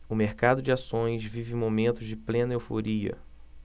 o mercado de ações vive momentos de plena euforia